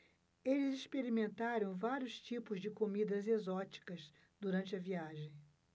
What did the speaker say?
eles experimentaram vários tipos de comidas exóticas durante a viagem